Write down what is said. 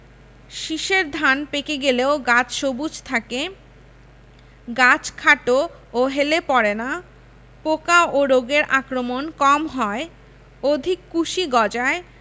শীষের ধান পেকে গেলেও গাছ সবুজ থাকে গাছ খাটো ও হেলে পড়ে না পোকা ও রোগের আক্রমণ কম হয় অধিক কুশি গজায়